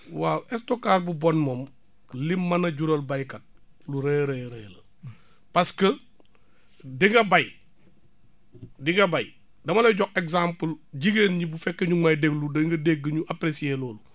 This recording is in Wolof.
waaw stockage bu bon moom lim man a jural baykat lu rëy a rëy rëy la parce que di nga bay di nga bay dama lay jox exemple jigéen ñi bu fekkee ñu ngi may déglu da nga dégg ñu apprécier loolu